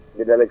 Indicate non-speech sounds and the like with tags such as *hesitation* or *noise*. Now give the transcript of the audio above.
*hesitation* *hesitation*